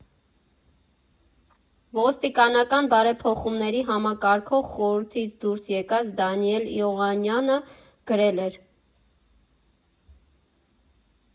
Ոստիկանական բարեփոխումների համակարգող խորհրդից դուրս եկած Դանիել Իոաննիսյանը գրել էր.